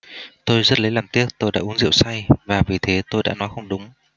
tôi rất lấy làm tiếc tôi đã uống rượu say và vì thế tôi đã nói không đúng